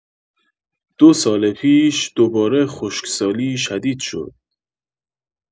دو سال پیش، دوباره خشکسالی شدید شد.